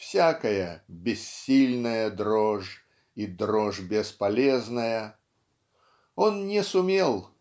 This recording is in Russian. всякая "бессильная дрожь" и "дрожь бесполезная". Он не сумел